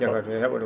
jahatu o he?a ?um